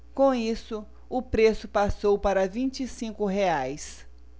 com isso o preço passou para vinte e cinco reais